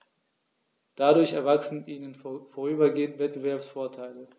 Dadurch erwachsen ihnen vorübergehend Wettbewerbsvorteile.